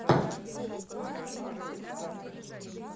паб британика